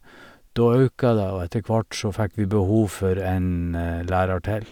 Da auka det, og etter hvert så fikk vi behov for en lærer til.